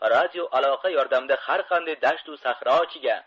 radioaloqa yordamida har qanday dashtu sahro ichiga